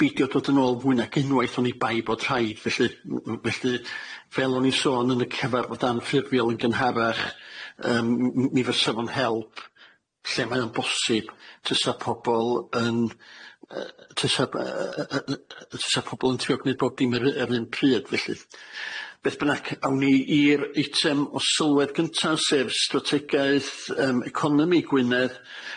beidio dod yn ôl fwy nag unwaith o'n i bai bod rhaid felly m- m- felly fel o'n i'n sôn yn y cyfarfod anffurfiol yn gynharach yym m- m- mi fysa fo'n help lle mae o'n bosib tesa pobol yn yy tesa b- y- y- yy tesa pobol yn trio gneud bob dim er yy er yn pryd felly beth bynnag awn ni i'r eitem o sylwedd gynta sef strategaeth yym economi Gwynedd.